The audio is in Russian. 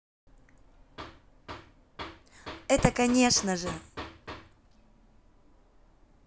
это конечно конечно же